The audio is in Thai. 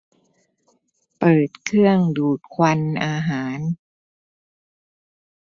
เปิดเครื่องดูดควันอาหาร